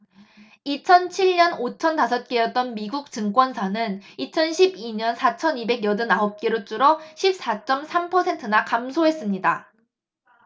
이천 칠 년 오천 다섯 개였던 미국 증권사는 이천 십 이 년 사천 이백 여든 아홉 개로 줄어 십 사 쩜 삼 퍼센트나 감소했습니다